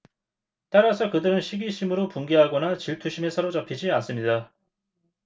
따라서 그들은 시기심으로 분개하거나 질투심에 사로잡히지 않습니다